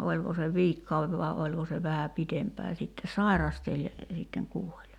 oliko se viikkokauden vai oliko se vähän pidempään sitten sairasteli ja sitten kuoli